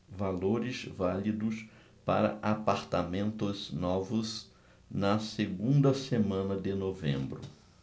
valores válidos para apartamentos novos na segunda semana de novembro